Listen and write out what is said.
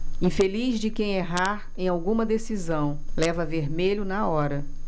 infeliz de quem errar em alguma decisão leva vermelho na hora